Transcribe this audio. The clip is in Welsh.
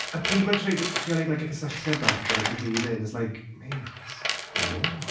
A pryd mae’n treud- trio wneud like y cysylltiad 'na gyda Davide and it’s like "mate, no!"